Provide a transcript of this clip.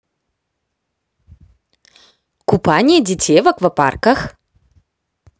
купание детей в аквапарках